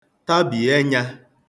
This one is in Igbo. tabì ẹnyā